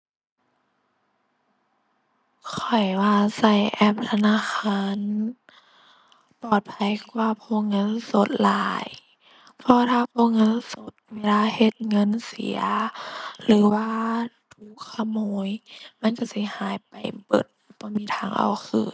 ข้อยว่าใช้แอปธนาคารปลอดภัยกว่าพกเงินสดหลาย เพราะถ้าพกเงินสดเวลาเฮ็ดเงินเสียหรือว่าถูกขโมยมันใช้สิหายไปเบิด บ่มีทางเอาคืน